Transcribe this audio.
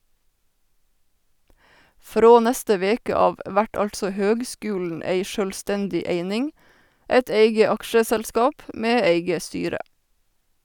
Frå neste veke av vert altså høgskulen ei sjølvstendig eining, eit eige aksjeselskap med eige styre.